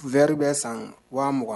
V bɛ san waugan